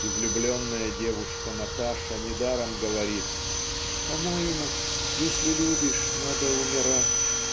и влюбленная девушка Наташа недаром говорит "По-моему если любишь надо умирать"